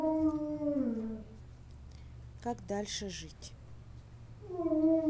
как дальше жить